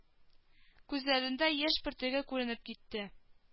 Күзләрендә яшь бөртеге күренеп китте